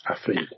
A phryd.